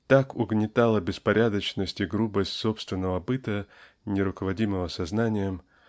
так угнетала беспорядочность и грубость собственного быта не руководимого сознанием